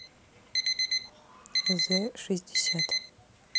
the шестьдесят